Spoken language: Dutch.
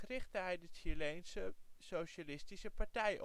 richtte hij de Chileense Socialistische Partij